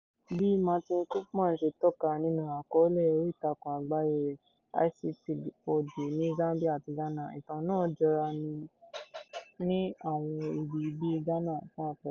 Bí Martine Koopman ṣe tọ́ka nínú àkọọ́lẹ̀ oríìtakùn àgbáyé rẹ̀ ICT4D ní Zambia àti Ghana, ìtàn náà jọra ní àwọn ibi bíi Ghana, fún àpẹẹrẹ.